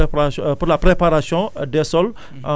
pour la prépara pour la préparation des sols